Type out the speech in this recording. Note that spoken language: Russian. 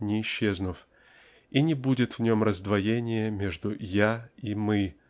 не исчезнут -- и не будет в нем раздвоения между "я" и "мы"